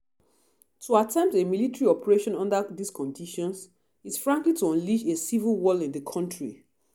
To attempt a military operation under these conditions, is frankly to unleash a civil war in the country.